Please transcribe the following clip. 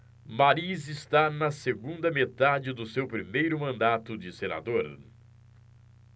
mariz está na segunda metade do seu primeiro mandato de senador